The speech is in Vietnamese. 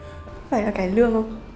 phải là cải lương không